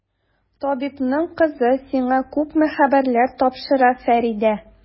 Табибның кызы сиңа күпме хәбәрләр тапшыра, Фәридә!